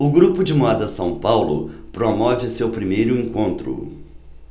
o grupo de moda são paulo promove o seu primeiro encontro